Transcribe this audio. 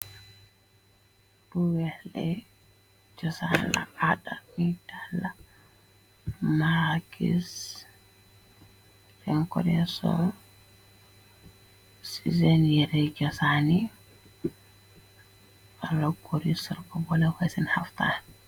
Buehle chossan la ada bidala marakis denkodey sol sizenyere chosani alokoryr ko bole fosen haftan.